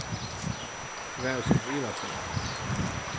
eg var eitt sindur ivasom